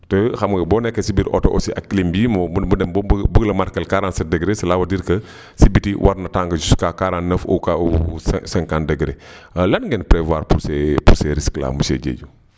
te xam nga boo nekkee si biir oto aussi ak clim bi mu mu dem ba bëgg la marqué quarante sept degré celà veut dire que si biti war na tàng jusqu' à 49 au cas ou cinq 50 degré lan ngeen prévoir pour ces pour ces riques là monsieur Diedhiou